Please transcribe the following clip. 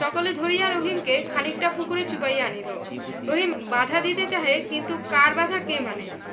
সকলে ধরিয়া রহিমকে খনিকটা পুকুরে চুবাইয়া আনিল রহিম বাধা দিতে চাহে কিন্তু কার বাধা কে মানে